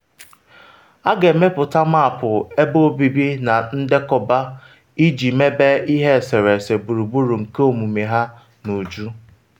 A ga-emepụta mapụ ebe obibi na ndekọba iji mebe ihe eserese gburugburu nke omume ha n’uju.